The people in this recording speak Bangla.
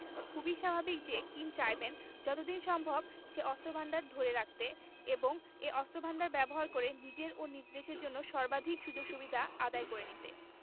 খুবই স্বাভাবিক যে কিম চাইবেন যত দিন সম্ভব সে অস্ত্রভান্ডার ধরে রাখতে এবং এই অস্ত্রভান্ডার ব্যবহার করে নিজের ও নিজ দেশের জন্য সর্বাধিক সুযোগ সুবিধা আদায় করে নিতে